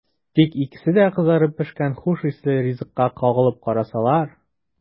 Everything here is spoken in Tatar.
Тик икесе дә кызарып пешкән хуш исле ризыкка кагылып карасалар!